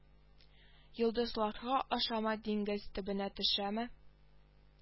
Йолдызларга ашамы диңгез төбенә төшәме